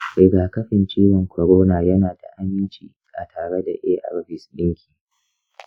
rigakafin ciwon corona yana da aminci a tare da arvs ɗinki.